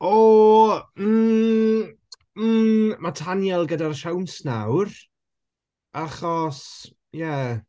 O! Mm mm mae Tanyel gyda'r siawns nawr achos ie.